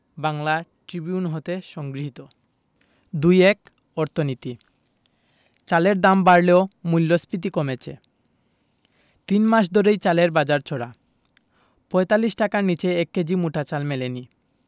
Bangla Tribune হতে সংগৃহীত ২১ অর্থনীতি চালের দাম বাড়লেও মূল্যস্ফীতি কমেছে তিন মাস ধরেই চালের বাজার চড়া ৪৫ টাকার নিচে ১ কেজি মোটা চাল মেলেনি